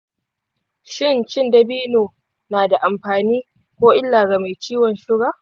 shin cin dabino na da amfani ko illa ga mai ciwon suga?